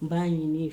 N b'a ɲini